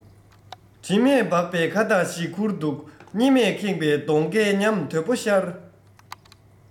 དྲི མས སྦགས པའི ཁ བཏགས ཤིག ཁུར འདུག གཉེར མས ཁེངས པའི གདོང རྒས ཉམས དོད པོ ཤར